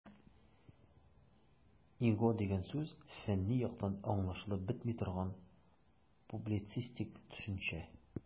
"иго" дигән сүз фәнни яктан аңлашылып бетми торган, публицистик төшенчә.